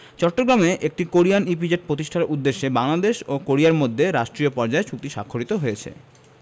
চট্টগ্রামে একটি Korean EPZ প্রতিষ্ঠার উদ্দেশ্যে বাংলাদেশ ও কোরিয়ার মধ্যে রাষ্ট্রীয় পর্যায়ে চুক্তি স্বাক্ষরিত হয়েছে